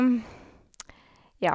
Ja.